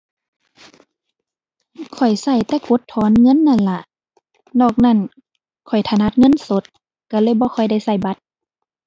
ข้อยใช้แต่กดถอนเงินนั้นล่ะ นอกนั้นข้อยถนัดเงินสด ใช้เลยบ่ค่อยได้ใช้บัตร